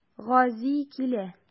Гази килә.